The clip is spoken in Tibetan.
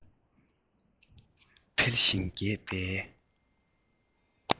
འཕེལ ཞིང རྒྱས པའི